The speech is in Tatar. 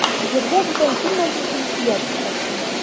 Җиргә бүтән килмәс өчен килә кеше.